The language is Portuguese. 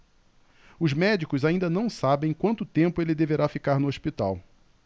os médicos ainda não sabem quanto tempo ele deverá ficar no hospital